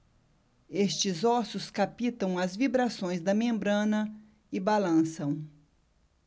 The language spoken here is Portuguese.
estes ossos captam as vibrações da membrana e balançam